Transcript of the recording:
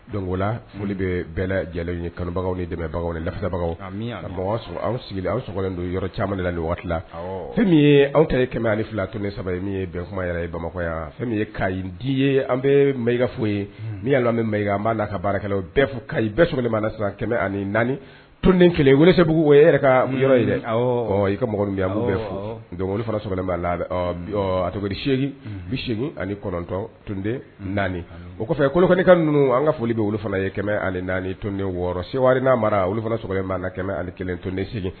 Dongo la bɛ bɛɛ jeliw kalobagaw ni dɛmɛbagaw lafasabagaw sɔrɔ anw sigilen aw don yɔrɔ caman la ni waati fɛn min ye anw teri kɛmɛ ani fila tun saba ye min ye bɛn kuma yɛrɛ ye bamakɔya fɛn ye ka ɲi di ye an bɛ mka foyi ye n' y'a bɛ an b'a la ka baara ka kɛmɛ ani naani tonden kelensebugu ka yɔrɔ i ka bɛɛ donc olu fana b'a la adise bi segin ani kɔnɔntɔn tonden naani o kɔfɛ kolokan ninnu an ka foli bɛ fana ye kɛmɛ ani naanitɔnonden wɔɔrɔ se n'a mara fana kɛmɛ kelen tondense